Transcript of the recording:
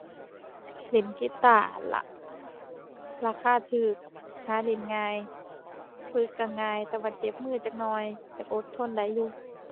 เล่นกีตาร์นั่นล่ะ ราคาถูก หาเล่นง่าย ฝึกถูกง่ายแต่ว่าเจ็บมือจักหน่อย แต่ถูกอดทนได้อยู่